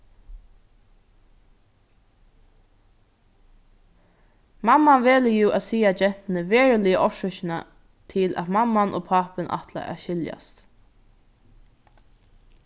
mamman velur jú at siga gentuni veruligu orsøkina til at mamman og pápin ætla at skiljast